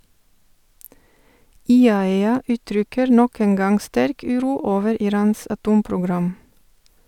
IAEA uttrykker nok en gang sterk uro over Irans atomprogram.